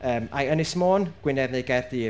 Yym ai Ynys Mon, Gwynedd neu Caerdydd?